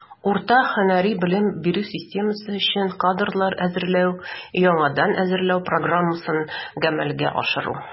Урта һөнәри белем бирү системасы өчен кадрлар әзерләү (яңадан әзерләү) программасын гамәлгә ашыру.